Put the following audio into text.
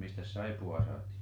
mistäs saippuaa saatiin